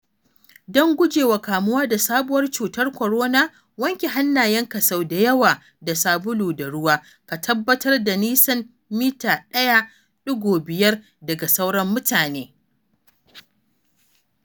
Don gujewa kamuwa da sabuwar cutar korona, wanke hannayenka sau da yawa da sabulu da ruwa, ka tabbatar da nisan mita 1.5 daga sauran mutane.